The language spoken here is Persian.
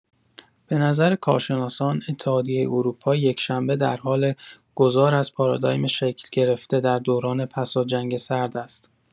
به نظر کارشناسان، اتحادیه اروپا، یک‌شبه در حال گذار از پارادایم شکل‌گرفته در دوران پساجنگ سرد است.